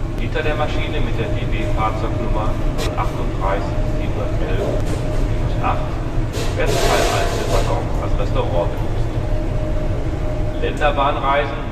Hinter der Maschine mit der DB-Fahrzeugnummer 038 711-8 werden zwei alte Waggons als Restaurant genutzt. Länderbahnreisen